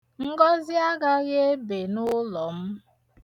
Ngọzị agaghị ebe n'ụlọ m.